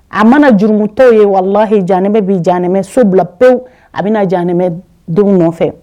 A mana jurumutɔw ye walahi janɛmɛ bɛ janɛmɛso bila pewu a bɛna jamɛnɛdenw nɔfɛ.